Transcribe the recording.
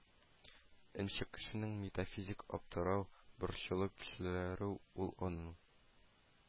Енча, кешенең метафизик аптырау, борчылу кичерү ул аны